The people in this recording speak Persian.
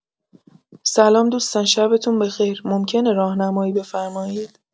سلام دوستان شبتون بخیر، ممکنه راهنمایی بفرمایید